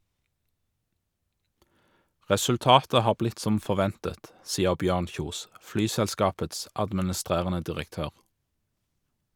Resultatet har blitt som forventet, sier Bjørn Kjos, flyselskapets administrerende direktør.